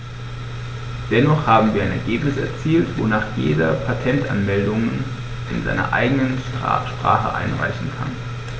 Dennoch haben wir ein Ergebnis erzielt, wonach jeder Patentanmeldungen in seiner eigenen Sprache einreichen kann.